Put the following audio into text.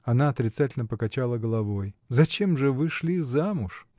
Она отрицательно покачала головой. — Зачем же вы шли замуж?